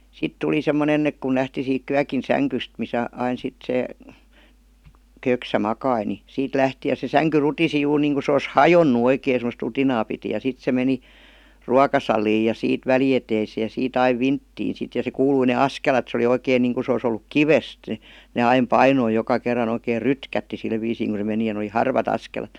sitten tuli semmoinen että kun lähti siitä kyökin sängystä missä aina sitten se köksä makasi niin siitä lähti ja se sänky rutisi juuri niin kuin se olisi hajonnut oikein semmoista rutinaa piti ja sitten se meni ruokasaliin ja siitä välieteiseen ja siitä aina vinttiin sitten ja se kuului ne askelet se oli oikein niin kuin se olisi ollut kivestä ne aina painoi joka kerran oikein rytkähti sillä viisiin kun se meni ja ne oli harvat askelet